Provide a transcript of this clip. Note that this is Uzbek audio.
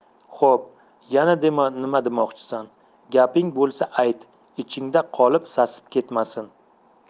xo'p yana nima demoqchisan gaping bo'lsa ayt ichingda qolib sasib ketmasin